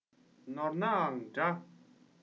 ནོར ནའང འདྲ